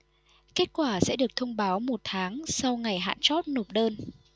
kết quả sẽ được thông báo một tháng sau ngày hạn chót nộp đơn